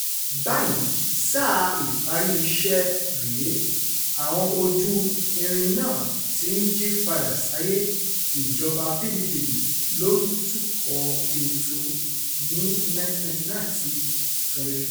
Báyìí, Sáà Ìparí iṣẹ́' rè é, àwọn ojú irin náà ti ń jí padà sáyé.” Ìjọba PDP ló ń tukọ̀ ètò ní 1999 sí 2015.